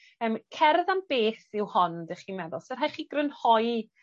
yym cerdd am beth yw hon 'dych chi'n meddwl? 'Sa rhaid chi grynhoi